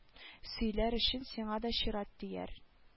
Сөйләр өчен сиңа да чират тияр